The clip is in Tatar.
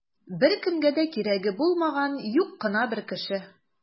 Беркемгә дә кирәге булмаган юк кына бер кеше.